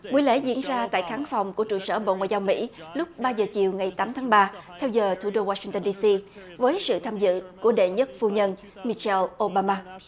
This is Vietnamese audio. buổi lễ diễn ra tại khán phòng của trụ sở bộ ngoại giao mỹ lúc ba giờ chiều ngày tám tháng ba theo giờ thủ đô goa sinh tơn đi xi với sự tham dự của đệ nhất phu nhân mi seo ô ba ma